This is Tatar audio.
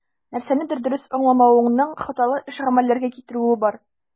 Нәрсәнедер дөрес аңламавыңның хаталы эш-гамәлләргә китерүе бар.